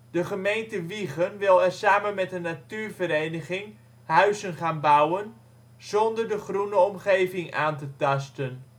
De gemeente Wijchen wil er samen met een natuurvereniging huizen gaan bouwen, zonder de groene omgeving aan te tasten